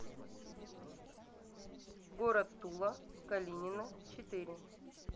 город тула калинина четыре